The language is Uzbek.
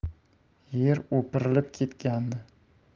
yer o'pirilib ketgandi